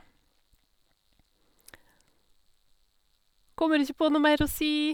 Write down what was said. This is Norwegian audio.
Kommer ikke på noe mer å si.